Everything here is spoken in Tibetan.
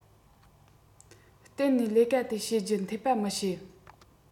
གཏན ནས ལས ཀ དེ བྱེད རྒྱུ འཐད པ མི བྱེད